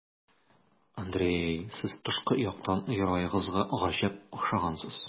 Андрей, сез тышкы яктан героегызга гаҗәп охшагансыз.